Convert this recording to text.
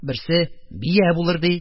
Берсе: бия булыр, ди